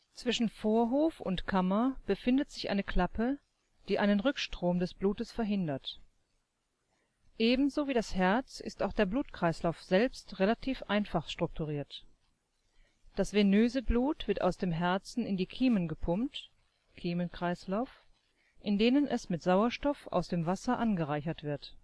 Zwischen Vorhof und Kammer befindet sich eine Klappe, die einen Rückstrom des Blutes verhindert. Ebenso wie das Herz ist auch der Blutkreislauf selbst relativ einfach strukturiert. Das venöse Blut wird aus dem Herzen in die Kiemen gepumpt (Kiemenkreislauf), in denen es mit Sauerstoff aus dem Wasser angereichert wird